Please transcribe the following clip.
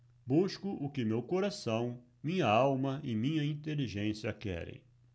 busco o que meu coração minha alma e minha inteligência querem